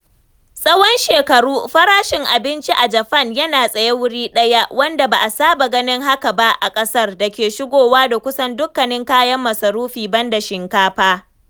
Tsawon shekaru, farashin abinci a Japan yana ta tsaye wuri ɗaya, wanda ba a saba ganin haka ba a ƙasar da ke shigo da kusan dukkanin kayan masarufi banda shinkafa.